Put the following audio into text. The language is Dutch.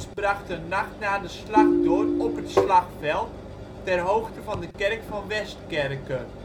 bracht de nacht na de slag door op het slagveld ter hoogte van de kerk van Westkerke